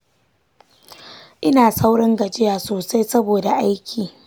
ina saurin gajiya sosai saboda aiki.